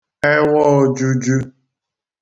ewọojuju